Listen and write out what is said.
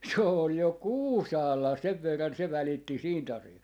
se oli jo Kuusaalla sen verran se välitti siitä asiasta